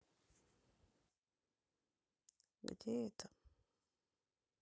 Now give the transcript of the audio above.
где это